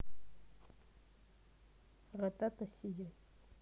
ратата сияй